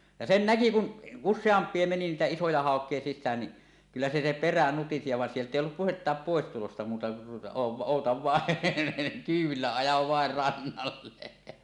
ja sen näki kun useampi meni niitä isoja haukia sisään niin kyllä se se perä nutisi ja vaan sieltä ei ollut puhettakaan pois tulosta muuta - odota vain kyydillä aja vain rannalle